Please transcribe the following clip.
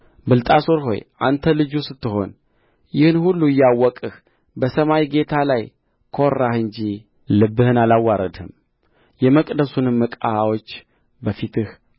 ብልጣሶር ሆይ አንተ ልጁ ስትሆን ይህን ሁሉ እያወቅህ በሰማይ ጌታ ላይ ኰራህ እንጂ ልብህን አላዋረድህም የመቅደሱንም ዕቃዎች በፊትህ